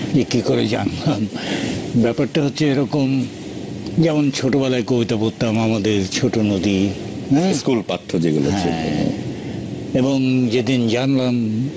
যে কি করে জানলাম ব্যাপারটা হচ্ছে এরকম যেমন ছোটবেলা কবিতা পড়তাম আমাদের ছোট নদী স্কুল পাঠ্য যেগুলো ছিল হ্যাঁ এবং যেদিন জানলাম